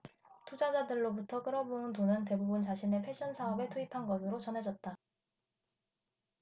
투자자들로부터 끌어모은 돈은 대부분 자신의 패션사업에 투입한 것으로 전해졌다